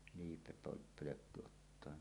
- liipepölkky ottaa